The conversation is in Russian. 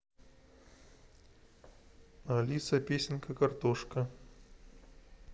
алиса песенка картошка